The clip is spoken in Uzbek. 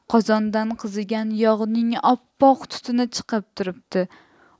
qozondan qizigan yog'ning oppoq tutuni chiqib turibdi